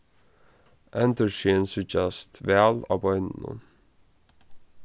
endurskin síggjast væl á beinunum